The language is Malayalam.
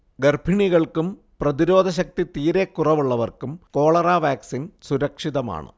ഗർഭിണികൾക്കും പ്രതിരോധശക്തി തീരെ കുറവുള്ളവർക്കും കോളറ വാക്സിൻ സുരക്ഷിതമാണ്